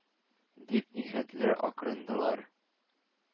Дип нихәтле акырындылар.